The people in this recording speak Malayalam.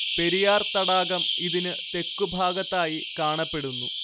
പെരിയാർ തടാകം ഇതിന് തെക്കു ഭാഗത്തായി കാണപ്പെടുന്നു